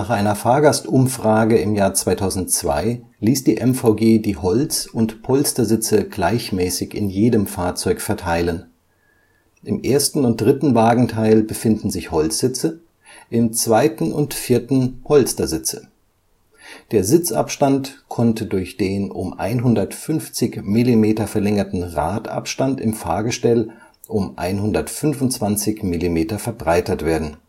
einer Fahrgastumfrage im Jahr 2002 ließ die MVG die Holz - und Polstersitze gleichmäßig in jedem Fahrzeug verteilen. Im ersten und dritten Wagenteil befinden sich Holzsitze, im zweiten und vierten Polstersitze. Der Sitzabstand konnte durch den um 150 Millimeter verlängerten Radabstand im Fahrgestell um 125 Millimeter verbreitert werden